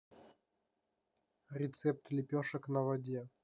рецепт лепешек на воде